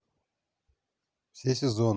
все сезоны